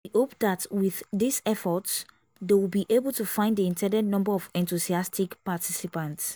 We hope that with these efforts they will be able to find the intended number of enthusiastic participants.